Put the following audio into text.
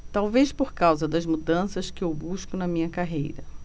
talvez por causa das mudanças que eu busco na minha carreira